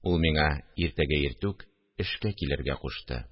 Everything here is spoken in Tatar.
Ул миңа иртәгә иртүк эшкә килергә кушты